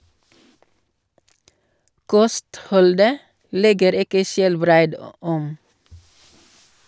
Kostholdet legger ikke Skjelbreid om.